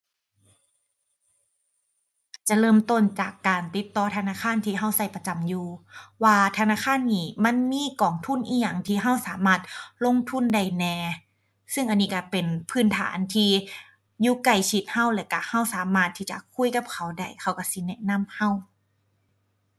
จะเริ่มต้นจากการติดต่อธนาคารที่เราเราประจำอยู่ ว่าธนาคารนี้มันมีกองทุนอิหยังที่เราสามารถลงทุนได้แหน่ ซึ่งอันนี้เราเป็นพื้นฐานที่อยู่ใกล้ชิดเรา แล้วเราเราสามารถที่จะคุยกับเขาได้ เขาเราสิแนะนำเรา